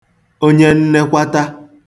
onyennekwata